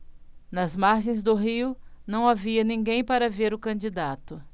nas margens do rio não havia ninguém para ver o candidato